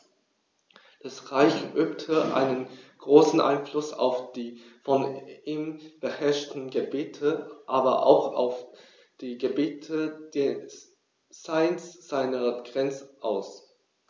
Das Reich übte einen großen Einfluss auf die von ihm beherrschten Gebiete, aber auch auf die Gebiete jenseits seiner Grenzen aus.